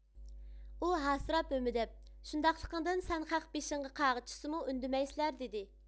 ئۇ ھاسىراپ ھۆمۈدەپ شۇنداقلىقىڭدىن سەن خەق بېشىڭغا قاغا چىچسىمۇ ئۈندىمەيسىلەر دېدى